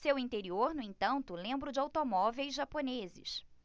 seu interior no entanto lembra o de automóveis japoneses